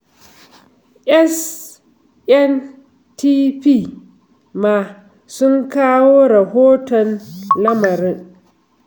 SNTP ma sun kawo rahoton lamarin: